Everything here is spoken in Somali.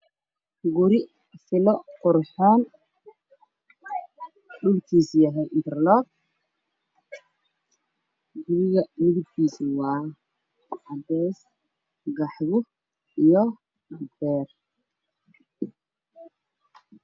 Waxaa ii muuqda dalkiisa uu yahay jaallo maxaa saran mukayf kalarkiisu yahay cadaan gedo ee koos baxay